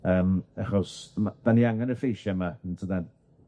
Yym achos ma- 'dan ni angen y lleisia' 'ma yn tydan?